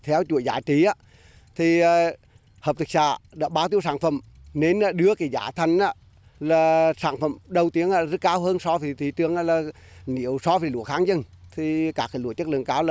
theo chuỗi giá trị thì à hợp tác xã đã bao tiêu sản phẩm nên đã đưa cái giá thành là là sản phẩm đầu tiên là rất cao hơn so thì thị trường là nếu so với lúa khang dân thì các hai lúa chất lượng cao